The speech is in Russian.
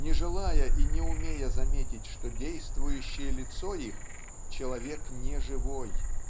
не желая и не умея заметить что действующее лицо их человек не живой.